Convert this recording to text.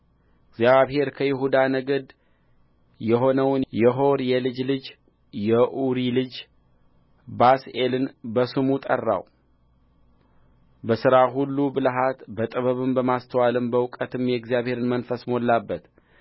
እግዚአብሔር ከይሁዳ ነገድ የሆነውን የሆር የልጅ ልጅ የኡሪ ልጅ ባስልኤልን በስሙ ጠራው በሥራ ሁሉ ብልሃት በጥበብም በማስተዋልም በእውቀትም የእግዚአብሔርን መንፈስ ሞላበት